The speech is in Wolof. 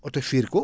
oto fiir ko